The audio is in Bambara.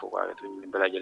Ni